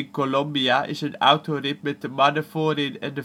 Colombia is een autorit met de mannen voorin en